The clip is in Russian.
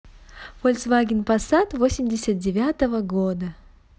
фольксваген пассат восемьдесят девятого года